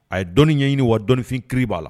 A ye dɔnni ɲɛɲini wa dɔnifin kiri b'a la